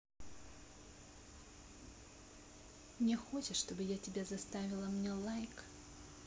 не хочешь чтобы я тебя заставила мне лайк